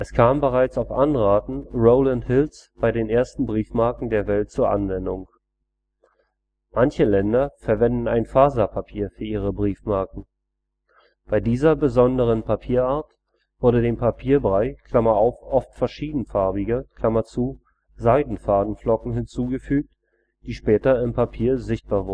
kam bereits auf Anraten Rowland Hills bei den ersten Briefmarken der Welt zur Anwendung. Manche Länder verwendeten ein Faserpapier für ihre Briefmarken. Bei dieser besonderen Papierart wurden dem Papierbrei (oft verschiedenfarbige) Seidenfadenflocken hinzugefügt, die später im Papier sichtbar